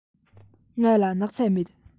ང ལ སྣག ཚ མེད